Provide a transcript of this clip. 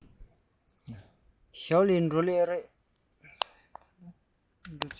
ཞའོ ལིའི འགྲོ རྩིས འདུག གས